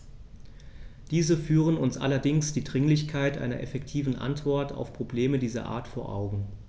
Diese führen uns allerdings die Dringlichkeit einer effektiven Antwort auf Probleme dieser Art vor Augen.